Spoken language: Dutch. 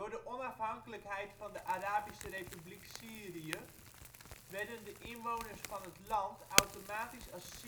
de onafhankelijkheid van de Arabische republiek Syrië, werden de inwoners van het land automatisch als